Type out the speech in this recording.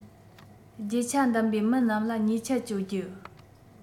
རྒྱུ ཆ གདམ པའི མི རྣམས ལ ཉེས ཆད གཅོད རྒྱུ